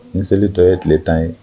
Nin seli dɔ ye tile 10 ye.